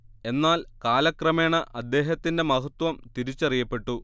എന്നാൽ കാലക്രമേണ അദ്ദേഹത്തിന്റെ മഹത്ത്വം തിരിച്ചറിയപ്പെട്ടു